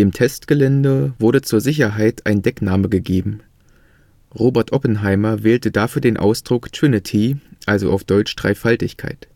Testgelände wurde zur Sicherheit ein Deckname gegeben. Robert Oppenheimer wählte dafür den Ausdruck „ Trinity “(deutsch „ Dreifaltigkeit